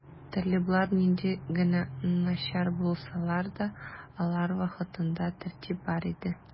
Талиблар нинди генә начар булсалар да, алар вакытында тәртип бар иде.